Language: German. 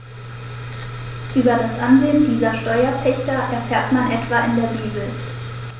Über das Ansehen dieser Steuerpächter erfährt man etwa in der Bibel.